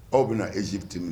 Aw bɛna ezp teminɛ